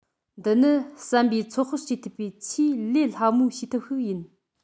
འདི ནི བསམ པས ཚོད དཔག བྱེད ཐུབ པའི ཆེས ལས སླ མོའི བྱེད ཐབས ཤིག ཡིན